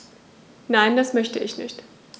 Nein, das möchte ich nicht.